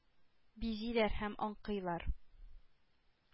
Бизиләр һәм аңкыйлар?!